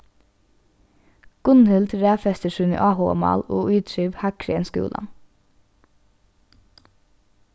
gunnhild raðfestir síni áhugamál og ítriv hægri enn skúlan